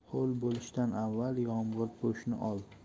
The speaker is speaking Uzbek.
ho'l bo'lishdan avval yomg'irpo'shni ol